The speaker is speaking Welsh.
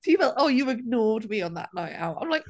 Ti fel, "oh, you've ignored me on that night out. I'm like..."